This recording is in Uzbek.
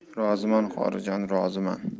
roziman qorijon roziman